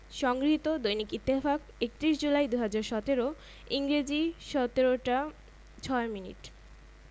ইসপের গল্প নেকড়ে ও ভেড়ার গল্প